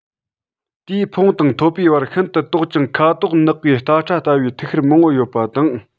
དེའི འཕོངས དང ཐོད པའི བར ཤིན ཏུ དོག ཅིང ཁ དོག ནག པའི རྟ ཁྲ ལྟ བུའི ཐིག ཤར མང པོ ཡོད པ དང